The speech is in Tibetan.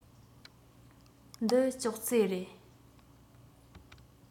འདི ཅོག ཙེ རེད